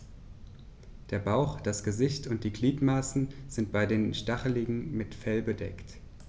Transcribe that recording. Der Bauch, das Gesicht und die Gliedmaßen sind bei den Stacheligeln mit Fell bedeckt.